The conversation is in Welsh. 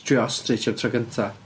Trio ostrich am tro gyntaf.